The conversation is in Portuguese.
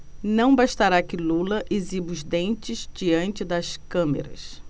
não bastará que lula exiba os dentes diante das câmeras